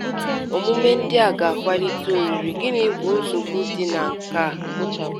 Emume ndị a ga-akwalite oriri, gịnị bụ nsogbu dị na nke a?